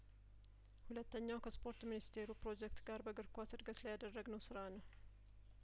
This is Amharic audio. ሁለተኛው ከስፖርት ሚኒስቴሩ ፕሮጀክት ጋር በእግር ኳስ እድገት ላይ ያደረግነው ስራ ነው